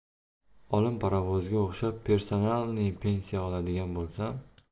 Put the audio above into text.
olim parovozga o'xshab persanalniy pensa oladigan bo'lsam